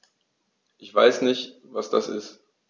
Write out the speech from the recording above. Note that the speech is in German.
Ich weiß nicht, was das ist.